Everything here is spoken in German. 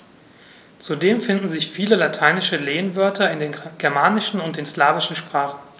Zudem finden sich viele lateinische Lehnwörter in den germanischen und den slawischen Sprachen.